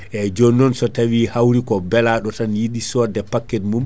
eyyi jonnon so tawi hawri ko beelaɗo tan yiiɗi sodde paquet mum